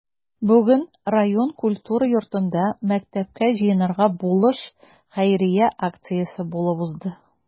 Бүген район культура йортында “Мәктәпкә җыенырга булыш” хәйрия акциясе булып узды.